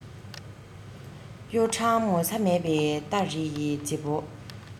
གཡོ ཁྲམ ངོ ཚ མེད པའི སྟ རེ ཡི བྱེད པོ